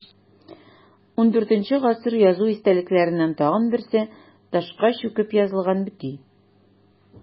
ХIV гасыр язу истәлекләреннән тагын берсе – ташка чүкеп язылган бөти.